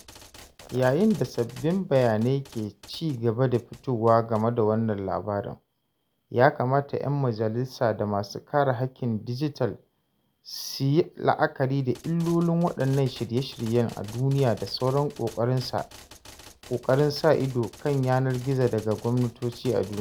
Yayin da sabbin bayanai ke ci gaba da fitowa game da wannan labarin, ya kamata ‘yan majalisa da masu kare haƙƙin dijital su yi la’akari da illolin waɗannan shirye-shiryen a duniya da sauran ƙoƙarin sa ido kan yanar gizo daga gwamnatoci a duniya.